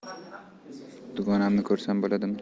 dugonamni ko'rsam bo'ladimi